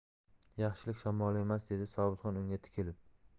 yaxshilik shamoli emas dedi sobitxon unga tikilib